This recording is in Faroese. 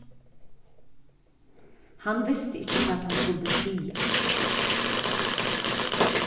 hann visti ikki hvat hann skuldi siga